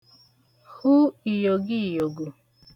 hụ ìyògì ìyògo